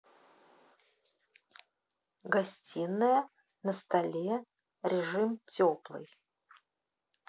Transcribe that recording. гостиная на столе режим теплый